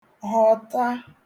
họ̀ta